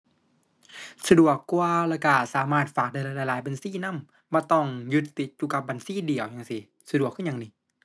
สะดวกกว่าแล้วก็สามารถฝากได้หลายหลายหลายบัญชีนำ บ่ต้องยึดติดอยู่กับบัญชีเดียวจั่งซี้ สะดวกคือหยังนี่